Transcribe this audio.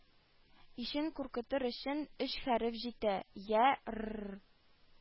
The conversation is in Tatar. Ишен куркытыр өчен өч хәреф җитә: йә «р-р-р